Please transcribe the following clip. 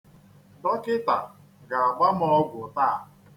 Dọkịta ga-agba m ọgwụ taa.